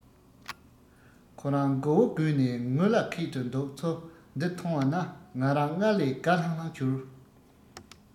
ཁོ རང མགོ བོ སྒུར ནས ངུ ལ ཁད དུ འདུག ཚུལ འདི མཐོང བ ན ང རང སྔར ལས དགའ ལྷང ལྷང གྱུར